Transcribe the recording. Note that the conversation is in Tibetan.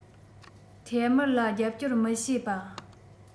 ཐའེ སྨིའར ལ རྒྱབ སྐྱོར མི བྱེད པ